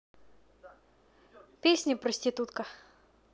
песня проститутка